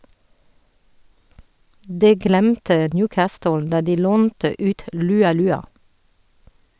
Det glemte Newcastle da de lånte ut Lualua.